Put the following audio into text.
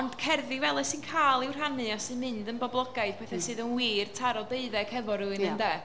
Ond cerddi fel 'na sy'n cael i'w rhannu a sy'n mynd yn boblogaidd, petha sydd yn wir, taro deuddeg efo rhywun... ia. ...ynde.